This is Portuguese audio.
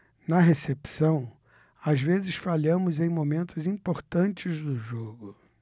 na recepção às vezes falhamos em momentos importantes do jogo